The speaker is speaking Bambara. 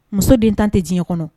Muso den tan tɛ diɲɛ kɔnɔ